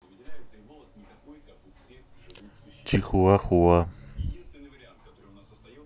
чихуахуа